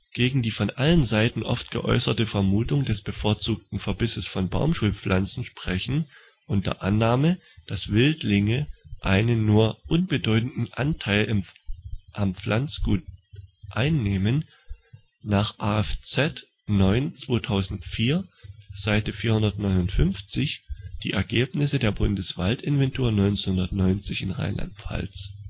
Gegen die von allen Seiten oft geäußerte Vermutung des bevorzugten Verbisses von Baumschulpflanzen sprechen - unter der Annahme, dass Wildlinge einen nur unbedeutenden Anteil am Pflanzgut einnehmen - nach AFZ 9/2004, S. 459 die Ergebnisse der Bundeswaldinventur 1990 in Rheinland-Pfalz